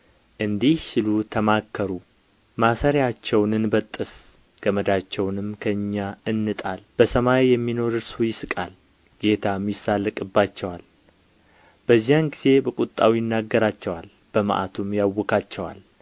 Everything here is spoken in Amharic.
እንዲህ ሲሉ ተማከሩ ማሰርያቸውን እንበጥስ ገመዳቸውንም ከእኛ እንጣል በሰማይ የሚኖር እርሱ ይሥቃል ጌታም ይሣለቅባቸዋል በዚያን ጊዜ በቍጣው ይናገራቸዋል በመዓቱም ያውካቸዋል